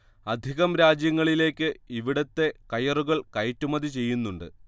അധികം രാജ്യങ്ങളിലേക്ക് ഇവിടത്തെ കയറുകൾ കയറ്റുമതി ചെയ്യുന്നുണ്ട്